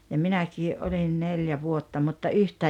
ja minäkin olin neljä vuotta mutta yhtään